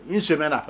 I sɛbɛ la.